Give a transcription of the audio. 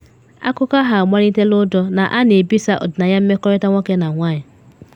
Akụkọ ahụ agbalitela ụjọ na a na ebisa ọdịnaya mmekọrịta nwoke na nwanyị.